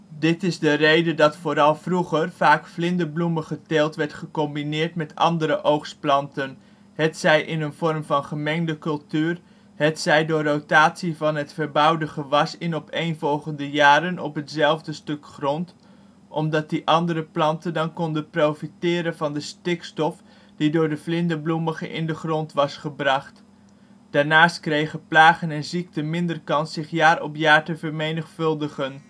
Dit is de reden dat vooral vroeger vaak vlinderbloemigenteelt (bv bonen) werd gecombineerd met andere oogstplanten, hetzij in een vorm van gemengde cultuur, hetzij door rotatie van het verbouwde gewas in opeenvolgende jaren op hetzelfde stuk grond, omdat die andere planten dan konden profiteren van de stikstof die door de vlinderbloemige in de grond was gebracht. (Daarnaast kregen plagen en ziekten minder kans zich jaar op jaar te vermenigvuldigen